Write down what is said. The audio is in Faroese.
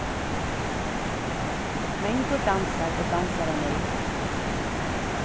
mangur dansar og dansar av neyð